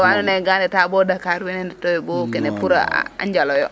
wa ando naye ga ndeta bo Dakar wene ndeto yo bo kene pour a njalo yo